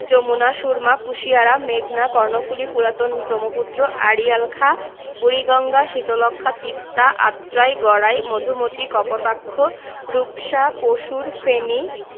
যমুনা সুরমা কুশিয়ারা মেঘনা কর্ণফুলি পুরাতন ব্রহ্মপুত্র আড়িয়াল খাঁ বুড়িগঙ্গা শীতলক্ষ্যা তিস্তা আত্রাই গড়াই মধুমতি কপোতাক্ষ রূপসা পসুর ফেনী